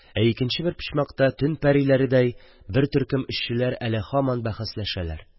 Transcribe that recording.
Ә икенче бер почмакта, төн пәриләредәй, бер төркем эшчеләр әле һаман бәхәсләшәләр: